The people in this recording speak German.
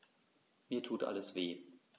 Mir tut alles weh.